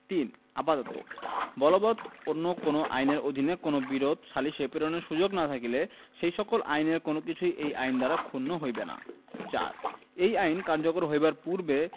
৩ আপাতত বলবৎ অন্য কোন আইনের অধীন কোন বিরোধ সালিসে প্রেরণের সুযোগ না থাকিলে সেই সকল আইনের কোন কিছুই এই আইন দ্বারা ক্ষুণ্ণ হইবে না ৪ এই আইন কার্যকর হইবার পূর্বে